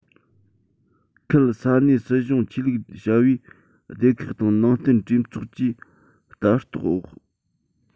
ཁུལ ས གནས སྲིད གཞུང ཆོས ལུགས བྱ བའི སྡེ ཁག དང ནང བསྟན གྲོས ཚོགས ཀྱིས ལྟ རྟོག འོག